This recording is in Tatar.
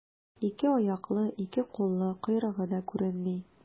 Ике аяклы, ике куллы, койрыгы да күренми.